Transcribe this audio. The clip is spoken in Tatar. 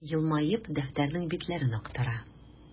Елмаеп, дәфтәрнең битләрен актара.